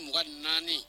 Mugan naani